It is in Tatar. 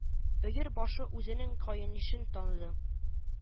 Өер башы үзенең каенишен таныды